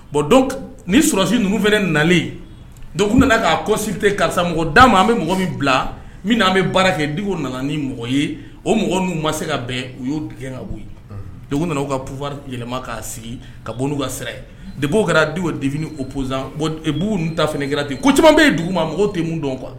Bon ni sɔsi ninnu fana nalen do nana k'a kɔsi tɛ karisa mɔgɔ d' ma an bɛ mɔgɔ min bila min an bɛ baara kɛ di nana ni mɔgɔ ye o mɔgɔ n ma se ka bɛn u y'o ka bɔ ye nana ka pufa yɛlɛma k'a sigi ka bɔ n'u ka sira de b'o kɛra du dif o pz bɔn bu ta fini kɛra ten ko caman bɛ ye dugu ma mɔgɔ tɛ mun dɔn kuwa